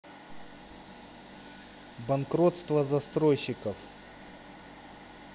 банкротство застройщиков